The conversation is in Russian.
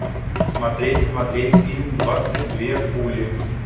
смотреть смотреть фильм двадцать две пули